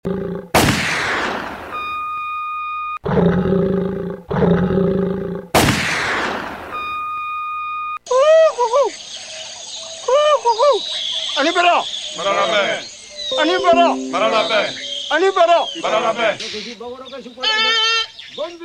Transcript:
Bugu